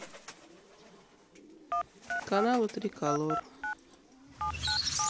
каналы триколор